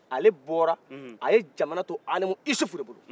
ale bɔrɔ a ye jaman to alimusufu de bolo